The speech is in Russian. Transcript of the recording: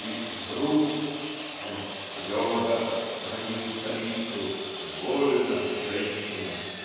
и "вдруг" он "твердо отстранил царицу: довольно, женщина! .